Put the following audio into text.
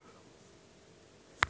нтв сериал включи